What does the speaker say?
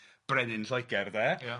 brenin Lloegr de... Ia.